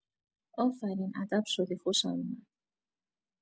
آفرین ادب شدی خوشم اومد